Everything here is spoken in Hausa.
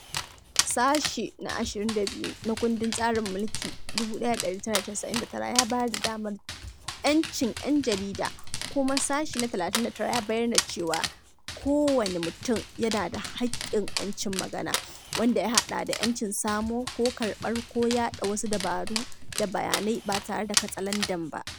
Sashe na 22 na kundin tsarin mulkin 1999 ya bayar da damar 'yancin 'yan jarida kuma Sashe na 39 ya bayyana cewa "kowane mutum yana da haƙƙin 'yancin magana, wanda ya haɗa da 'yancin samo ko karɓar ko yaɗa wasu dabaru da bayanai ba tare da katsalandan ba..."